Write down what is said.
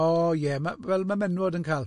O ie, fel mae men'wod yn cael.